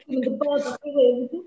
Mynd yn bored o'ch gilydd !